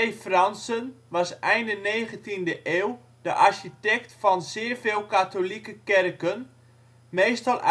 Franssen was einde 19e eeuw de architect van zeer veel katholieke kerken, meestal